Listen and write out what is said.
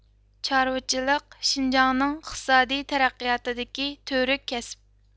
چارۋىچىلىق شىنجاڭنىڭ ئىقتىسادىي تەرەققىياتىدىكى تۈۋرۈك كەسىپ